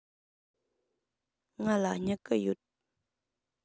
ང ལ སྨྱུ གུ ཡོད